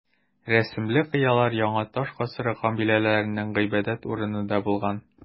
Рәсемле кыялар яңа таш гасыры кабиләләренең гыйбадәт урыны да булган.